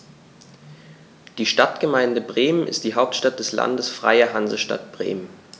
Die Stadtgemeinde Bremen ist die Hauptstadt des Landes Freie Hansestadt Bremen.